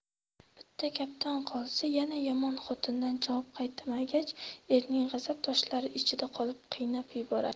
bitta gapdan qolsa yana yomon xotindan javob qaytmagach erning g'azab toshlari ichida qolib qiynab yuboradi